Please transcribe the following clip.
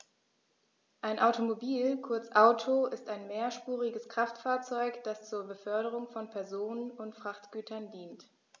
Ein Automobil, kurz Auto, ist ein mehrspuriges Kraftfahrzeug, das zur Beförderung von Personen und Frachtgütern dient.